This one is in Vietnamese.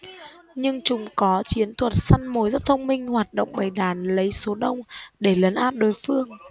nhưng chúng có chiến thuật săn mồi rất thông minh hoạt động bầy đàn lấy số đông để lấn át đối phương